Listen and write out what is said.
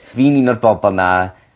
Fi'n un o'r bobol 'na